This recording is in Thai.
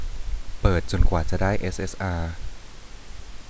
เปิดจนกว่าจะได้เอสเอสอา